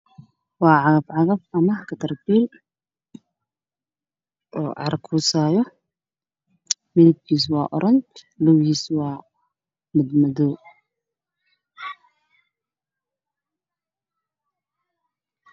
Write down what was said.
Waa cagafcagaf ciid kuusaayo midabkiisa waa oranji